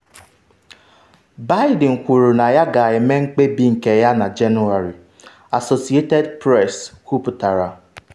Biden kwuru na ya ga-eme mkpebi nke ya na Jenuarị, Associated Press kwuputara.